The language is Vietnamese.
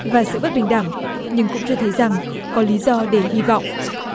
và sự bất bình đẳng nhưng cũng cho thấy rằng có lý do để hy vọng